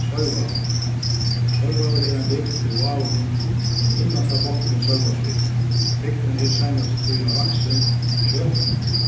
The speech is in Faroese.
sørvágur sørvágur er ein bygd í vágunum hon er innast á botni á sørvágsfirði bygdin er í seinastu tíðina vaksin skjótt